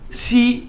Si